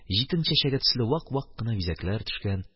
Җитен чәчәге төсле вак-вак кына бизәкләр төшкән.